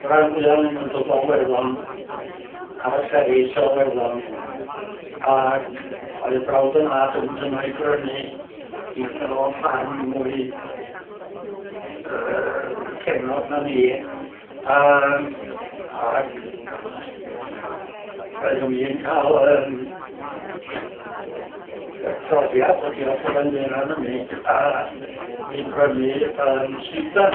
rhanfwya ohonyn n'w'n dod o Werddon ar y ferries o Werddon ac o'dd brawd yn nhad yn mynd yno i brynu i... gynno fo ffarm mwy yy cefnog na ni yym ac oeddwn i'n ca'l yym y profiad ydio i byrnu yn sdiwdant.